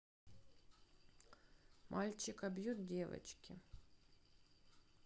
мальчика бьют девочки